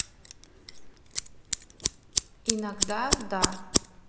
иногда да